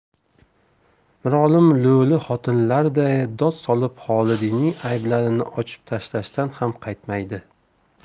mirolim lo'li xotinlarday dod solib xolidiyning ayblarini ochib tashlashdan ham qaytmaydi